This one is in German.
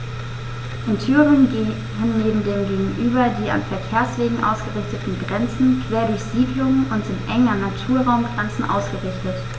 In Thüringen gehen dem gegenüber die an Verkehrswegen ausgerichteten Grenzen quer durch Siedlungen und sind eng an Naturraumgrenzen ausgerichtet.